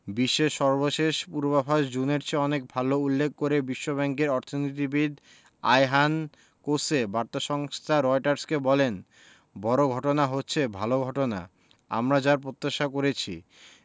বিশ্বের সর্বশেষ পূর্বাভাস জুনের চেয়ে অনেক ভালো উল্লেখ করে বিশ্বব্যাংকের অর্থনীতিবিদ আয়হান কোসে বার্তা সংস্থা রয়টার্সকে বলেন বড় ঘটনা হচ্ছে ভালো ঘটনা আমরা যা প্রত্যাশা করেছি